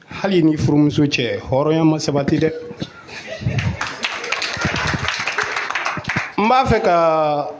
Hali ni furumuso cɛ hɔrɔnya ma sabati dɛ n b'a fɛ ka